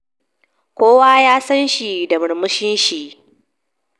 “Kowa ya san shi da murmushin shi.